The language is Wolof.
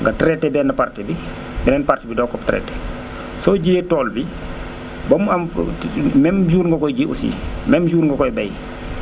nga traité benn partie bi beneen partie bi doo ko traité soo jiyee tool bi ba mu am même jour nga koy ji aussi même jour nga koy bay